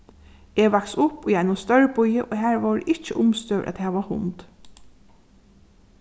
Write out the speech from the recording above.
eg vaks upp í einum stórbýi og har vóru ikki umstøður at hava hund